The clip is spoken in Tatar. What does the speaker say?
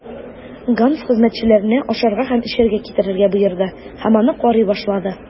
Ганс хезмәтчеләренә ашарга һәм эчәргә китерергә боерды һәм аны карый башлады.